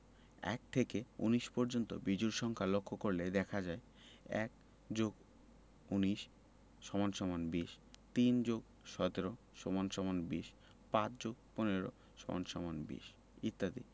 ১ থেকে ১৯ পর্যন্ত বিজোড় সংখ্যা লক্ষ করলে দেখা যায় ১+১৯=২০ ৩+১৭=২০ ৫+১৫=২০ ইত্যাদি